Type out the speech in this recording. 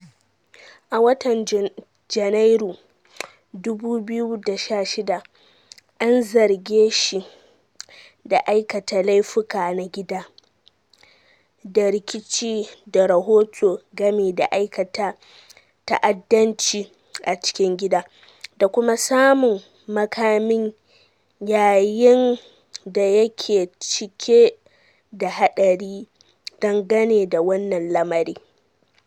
A watan Janairu 2016 an zarge shi da aikata laifuka na gida, da rikici da rahoto game da aikata ta'addanci a cikin gida, da kuma samun makamin yayin da yake cike da haɗari dangane da wannan lamarin.